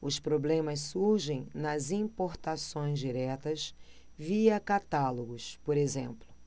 os problemas surgem nas importações diretas via catálogos por exemplo